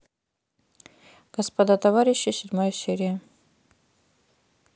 господа товарищи седьмая серия